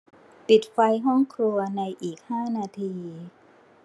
ปิดไฟห้องครัวในอีกห้านาที